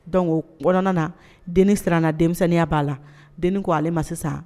Don kɔnɔna na den siranna denmisɛnninya b'a la den ko ale ma sisan